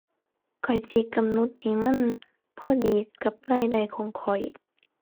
ข้อยสิกำหนดให้มันพอดีกับรายได้ของข้อย